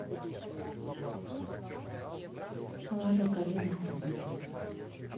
лада калина отзывы